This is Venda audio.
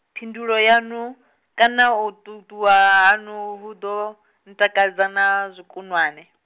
phindulo yaṋu, kana u tutuwa haṋu , hu ḓo, ntakadza na, zwikunwane.